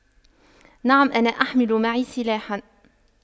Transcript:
نعم انا احمل معي سلاحا